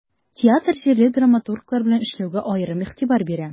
Театр җирле драматурглар белән эшләүгә аерым игътибар бирә.